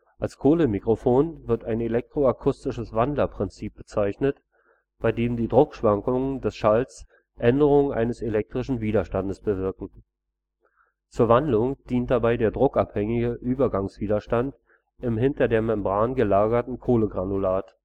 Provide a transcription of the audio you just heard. Als Kohlemikrofon wird ein elektroakustisches Wandlerprinzip bezeichnet, bei dem die Druckschwankungen des Schalls Änderungen eines elektrischen Widerstandes bewirken. Zur Wandlung dient dabei der druckabhängige Übergangswiderstand im hinter der Membran gelagerten Kohlegranulat